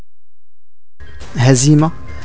هزيمه